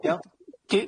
Iawn.